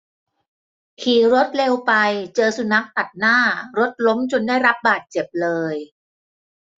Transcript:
ขี่รถเร็วไปเจอสุนัขตัดหน้ารถล้มจนได้รับบาดเจ็บเลย